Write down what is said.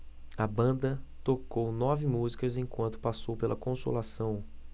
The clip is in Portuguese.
a banda tocou nove músicas enquanto passou pela consolação